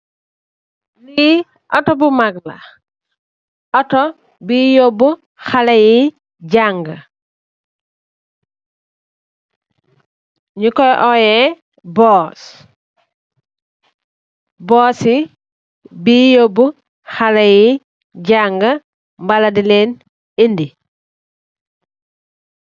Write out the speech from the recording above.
Lee otu bu mag la otu buye yobu haleh yee jageh nukuye oye bus, bus se buye yobu haleh yee jageh mla delen inde.